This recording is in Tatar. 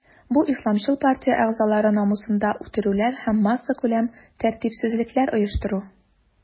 Бу исламчыл партия әгъзалары намусында үтерүләр һәм массакүләм тәртипсезлекләр оештыру.